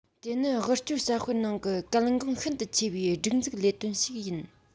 དེ ནི དབུལ སྐྱོར གསར སྤེལ ནང གི གལ འགངས ཤིན ཏུ ཆེ བའི སྒྲིག འཛུགས ལས དོན ཞིག ཡིན